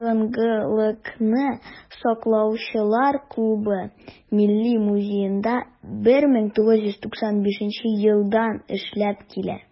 "борынгылыкны саклаучылар" клубы милли музейда 1995 елдан эшләп килә.